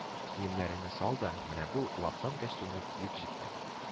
Киемнәреңне сал да, менә бу лавсан кәчтүмне киеп җибпәр